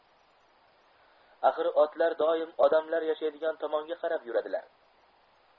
axir otlar doim odamlar yashaydigan tomonga qarab yuradilar